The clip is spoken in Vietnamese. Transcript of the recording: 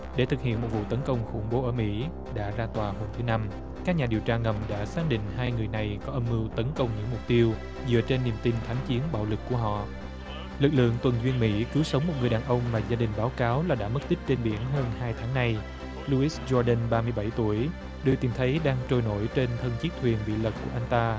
để thực hiện một vụ tấn công khủng bố ở mỹ đã ra tòa hôm thứ năm các nhà điều tra ngầm để xác định hai người này có âm mưu tấn công những mục tiêu dựa trên niềm tin thánh chiến bạo lực của họ lực lượng tuần duyên mỹ cứu sống một người đàn ông mà gia đình báo cáo là đã mất tích trên biển hơn hai tháng nay lu ít giô đưn ba mươi bảy tuổi được tìm thấy đang trôi nổi trên thân chiếc thuyền bị lật của anh ta